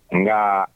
Nka